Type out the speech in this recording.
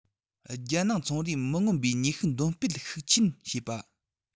རྒྱལ ནང ཚོང རའི མི མངོན པའི ནུས ཤུགས འདོན སྤེལ ཤུགས ཆེན བྱེད པ